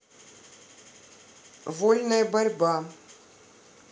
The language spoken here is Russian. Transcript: вольная борьба